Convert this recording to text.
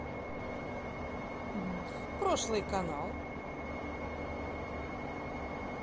прошлый канал